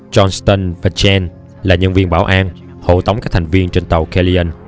johnston và chen là nhân viên bảo an hộ tống các thành viên trên tàu kellion